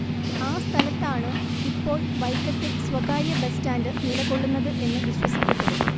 ആ സ്ഥലത്താണ് ഇപ്പോൾ വൈക്കത്തെ സ്വകാര്യ ബസ് സ്റ്റാന്റ് നിലകൊള്ളുന്നത് എന്നു വിശ്വസിക്കപ്പെടുന്നു